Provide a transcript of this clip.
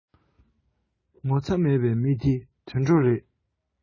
ངོ ཚ མེད པའི མི དེ དུད འགྲོ རེད